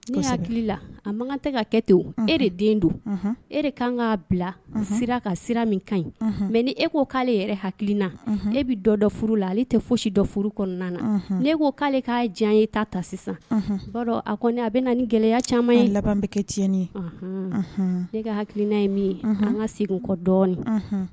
Ne hakili la a tɛ ka kɛ ten e de den don e ka bila ka min ka ɲi mɛ ni e ko k'ale yɛrɛ hakiliina e bɛ dɔ dɔ furu la ale tɛ fo si dɔ furu kɔnɔna na ne ko k koale k jan ye ta ta sisan ba a kɔni a bɛ ni gɛlɛya caman ti ne ka hakiliina ye min ye an ka segin n kɔ dɔɔnin